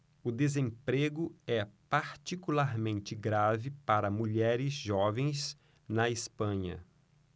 o desemprego é particularmente grave para mulheres jovens na espanha